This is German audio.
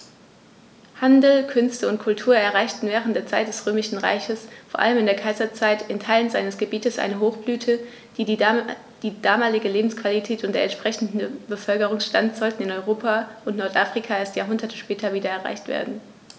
Handel, Künste und Kultur erreichten während der Zeit des Römischen Reiches, vor allem in der Kaiserzeit, in Teilen seines Gebietes eine Hochblüte, die damalige Lebensqualität und der entsprechende Bevölkerungsstand sollten in Europa und Nordafrika erst Jahrhunderte später wieder erreicht werden.